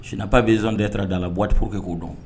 Sinanba bɛiz de t da a la buporourke k'o dɔn